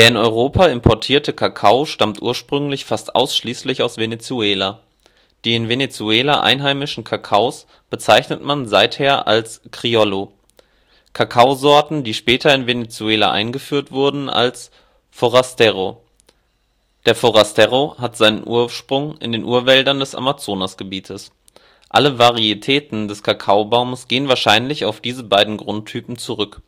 Europa importierte Kakao stammte ursprünglich fast ausschließlich aus Venezuela. Die in Venezuela einheimischen Kakaos bezeichnet man seither als " Criollo " (span. " Einheimischer, Kreole "), Kakaosorten, die später in Venezuela eingeführt wurden, als " Forastero " (span. " Fremdling "). Der Forastero hat seinen Ursprung in den Urwäldern des Amazonas-Gebietes. Alle Varietäten des Kakaobaumes gehen wahrscheinlich auf diese beiden Grundtypen zurück